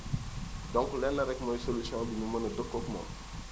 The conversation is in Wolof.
donc lenn rek mooy solution bi ñu mën a dëppoog moom